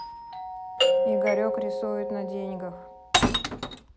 игорек рисует на деньгах